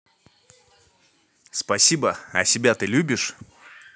спасибо а себя ты любишь